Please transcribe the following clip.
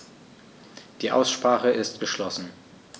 Die Aussprache ist geschlossen.